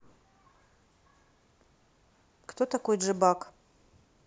кто такой g buck